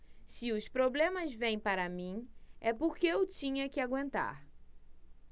se os problemas vêm para mim é porque eu tinha que aguentar